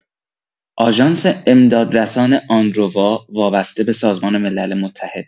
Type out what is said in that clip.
آژانس امدادرسان «آنروا» وابسته به سازمان ملل متحد